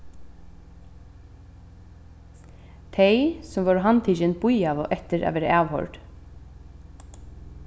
tey sum vóru handtikin bíðaðu eftir at verða avhoyrd